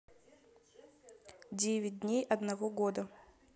девять дней одного года